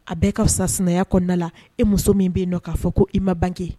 A bɛɛ ka fisa sinaya kɔnɔna la e muso min be yen nɔ ka fɔ ko i ma banke.